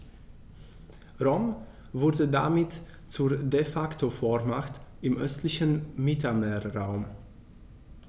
Rom wurde damit zur ‚De-Facto-Vormacht‘ im östlichen Mittelmeerraum.